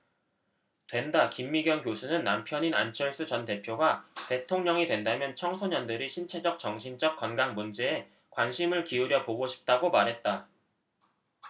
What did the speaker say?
된다 김미경 교수는 남편인 안철수 전 대표가 대통령이 된다면 청소년들의 신체적 정신적 건강 문제에 관심을 기울여 보고 싶다고 말했다